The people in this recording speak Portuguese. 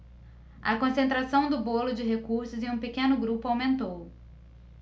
a concentração do bolo de recursos em um pequeno grupo aumentou